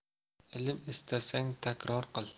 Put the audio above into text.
ilm istasang takror qil